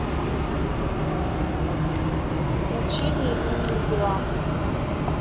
значение имени диана